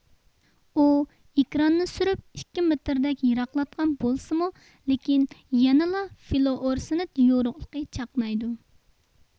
ئۇ ئېكراننى سۈرۈپ ئىككى مېتىردەك يىراقلاتقان بولسىمۇ لېكىن يەنىلا فلۇئورسېنت يورۇقلۇقى چاقنايدۇ